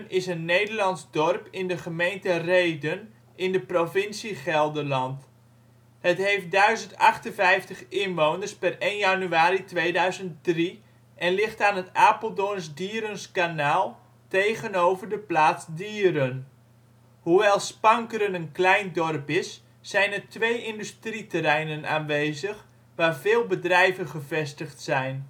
is een Nederlands dorp in de gemeente Rheden in de provincie Gelderland. Het heeft 1058 inwoners (per 1 januari 2003) en ligt aan het Apeldoorn-Dierens kanaal tegenover de plaats Dieren. Hoewel Spankeren een klein dorp is, zijn er twee industrieterreinen aanwezig waar veel bedrijven gevestigd zijn